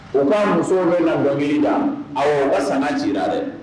O k'a musow bɛna dɔnkili da, o ka sanga ci la dɛ!